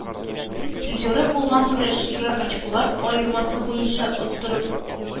Призеры булган көрәшчегә очколар аермасы буенча оттырып,